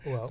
waaw